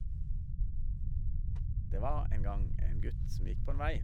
Det var en gang en gutt som gikk på en vei.